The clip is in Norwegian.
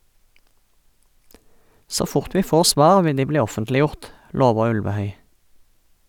Så fort vi får svar vil de bli offentliggjort , lover Ulvehøj.